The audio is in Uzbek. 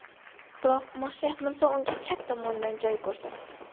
biroq umarshayx mirzo unga chap tomonidan joy ko'rsatdi